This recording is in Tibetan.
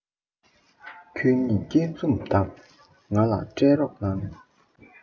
ཁྱེད གཉིས ཀྱེད འཛུམ འདངས ང ལ སྤྲད རོགས གནང